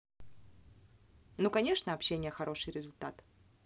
ну конечно общения хороший результат